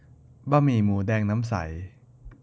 บะหมี่หมูแดงน้ำใส